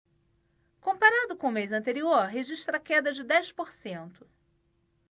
comparado com o mês anterior registra queda de dez por cento